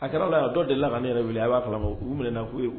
A kɛra anw la yan, dɔ delila ka ne yɛrɛ wele, a b'a kalamaw, u minɛɛna ku ye